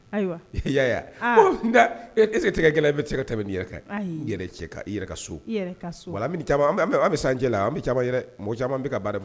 Ayiwa ya ese tigɛ gɛlɛn e bɛ tɛ se ka tɛmɛ ni i yɛrɛ ka so ka an bɛ sancɛ la an bɛ ca yɛrɛ mɔgɔ caman bɛ ka ma